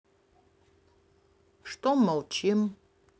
что молчим